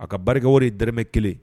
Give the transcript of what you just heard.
A ka baara kɛ wari ye fo dɔrɔmɛ kelen ye.